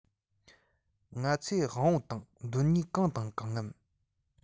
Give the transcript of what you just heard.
ང ཚོས དབང པོ དང གདོད ནུས གང དང གང ངམ